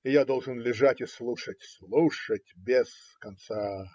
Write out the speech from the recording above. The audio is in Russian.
И я должен лежать и слушать, слушать без конца.